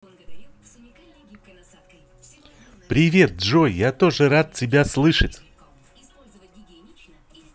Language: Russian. привет джой я тоже рад тебя слышать